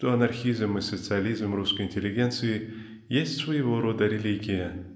что анархизм и социализм русской интеллигенции есть своего рода религия.